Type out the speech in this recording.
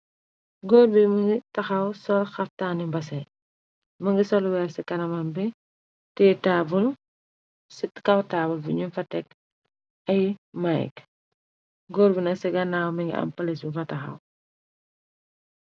Goor bi mi ngi taxaw sol xaftaani mbase, mëngi sol weer ci kanaman bi, tiye tabul, ci kaw taabul bi ñu fa tekk ay mayig, góor bu nak ci ganaawam mi ngi am palis bu fa taxaw.